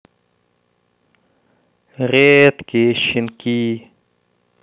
редкие щенки